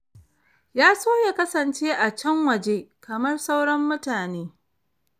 Ya so ya kasance a can waje, kamar sauran mutane. "